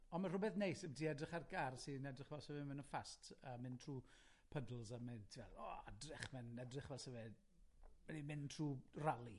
on' ma' rwbeth neis, ti edrych ar gar sy'n edrych fel sa fe'n mynd yn fast, a mynd trw puddles a mynd, ti'n me'wl, o, 'drych, ma'n edrych fel sa fe wedi mynd trw rali.